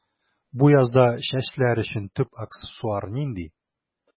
Бу язда чәчләр өчен төп аксессуар нинди?